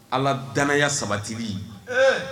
Ala dananaya sabati